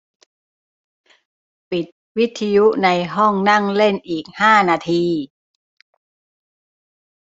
ปิดวิทยุในห้องนั่งเล่นอีกห้านาที